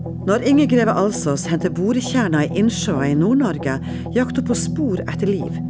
når Inger Greve Alsos henter borkjerner i innsjøer i Nord-Norge jakter hun på spor etter liv.